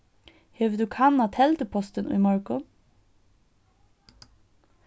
hevur tú kannað teldupostin í morgun